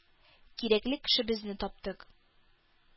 «кирәкле кешебезне таптык!» —